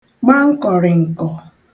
gba nkọ̀rị̀ǹkọ̀